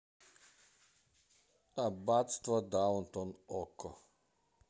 аббатство даунтон окко